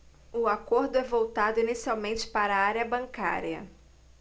o acordo é voltado inicialmente para a área bancária